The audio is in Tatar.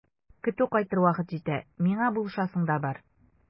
Көтү кайтыр вакыт җитә, миңа булышасың да бар.